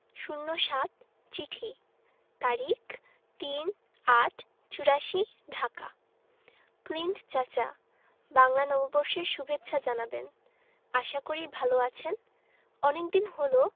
০৭ চিঠি তারিখ ৩ ৮ ৮৪ ঢাকা ক্লিন্ট চাচা বাংলা নববর্ষের সুভেচ্ছা জানাবেন আশা করি ভালো আছেন অনেকদিন হল